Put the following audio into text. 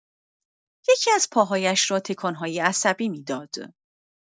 یکی ازپاهایش را تکان‌هایی عصبی می‌داد.